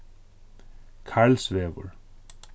karlsvegur